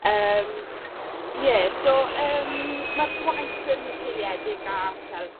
yym ie so yym ma'r gwaith yn seiliedig ar fel